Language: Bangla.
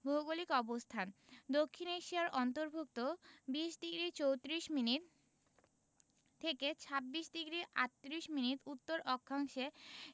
ভৌগোলিক অবস্থানঃ দক্ষিণ এশিয়ার অন্তর্ভুক্ত ২০ডিগ্রি ৩৪ মিনিট থেকে ২৬ ডিগ্রি ৩৮ মিনিট উত্তর অক্ষাংশে